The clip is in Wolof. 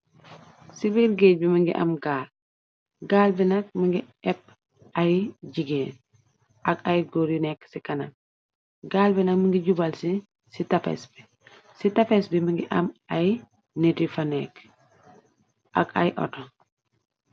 Ci biir gegi bi mëngi am gaal, gaal bi nak më ngi épp ay jigéen, ak ay gór yu nekk ci canam. Gaal bi nak mëngi jubal ci, si tefess bi. Si tefess bi, mëngi am ay nit yu fa nek ak ay auto.